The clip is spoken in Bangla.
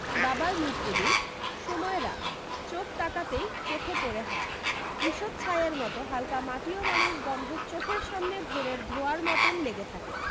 বাবার মৃত্যুদিন সময় রাত চোখ তাকাতেই চোখে পড়ে হাড় ঈষত ছাইয়ের মতো হালকা মাটি ও মানুষ গন্ধ চোখের সামনে ভোরের ধোঁয়ার মতোন লেগে থাকে